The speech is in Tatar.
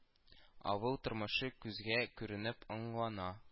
Авыл тормышы күзгә күренеп аңлана